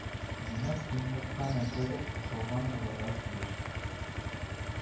Димәк, коньякка нәрсәдер кушылган булырга тиеш